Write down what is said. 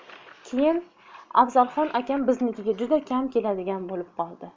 keyin afzalxon akam biznikiga juda kam keladigan bo'lib qoldi